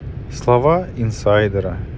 слова инсайдера